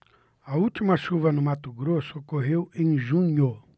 a última chuva no mato grosso ocorreu em junho